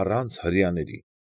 Առանց հրեաների։